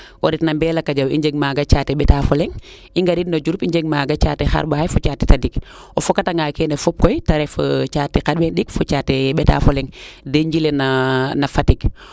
o ret no Mbalakadiaw i njeg maaga caate ɓeta fa leŋ i ngariid no Diouroup i njeg maaga caate xarɓaxay fo caate tadik o foka tanga keene fop koy te ref caate xarɓeen ndik fo caate ɓeta fo leŋ den njile na Fatick